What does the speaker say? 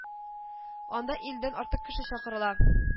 Анда илледән артык кеше чакырыла